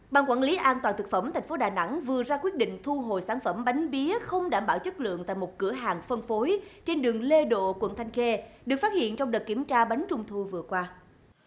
ban quản lý an toàn thực phẩm thành phố đà nẵng vừa ra quyết định thu hồi sản phẩm bánh pía không đảm bảo chất lượng tại một cửa hàng phân phối trên đường lê độ quận thanh khê được phát hiện trong đợt kiểm tra bánh trung thu vừa qua